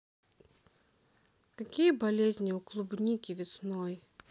какие болезни у клубники весной